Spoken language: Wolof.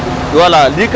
riz cargot